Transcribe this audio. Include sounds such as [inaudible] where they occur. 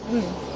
[hesitation] [hesitation]